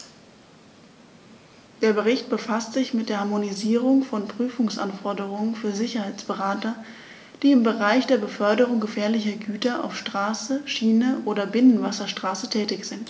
Der Bericht befasst sich mit der Harmonisierung von Prüfungsanforderungen für Sicherheitsberater, die im Bereich der Beförderung gefährlicher Güter auf Straße, Schiene oder Binnenwasserstraße tätig sind.